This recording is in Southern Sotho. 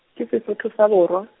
ke Sesotho sa borwa.